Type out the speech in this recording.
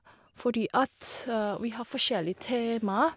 Fordi at vi har forskjellig tema.